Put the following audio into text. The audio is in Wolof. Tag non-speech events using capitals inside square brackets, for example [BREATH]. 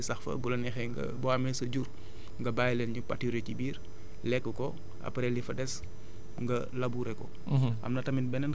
boo ko bàyyee ba ñax yi sax fa bu la neexee nga boo amee sa jur [BREATH] nga bàyy-i leen ñu paturé ci biir lekk ko après li fa des nga labourré ko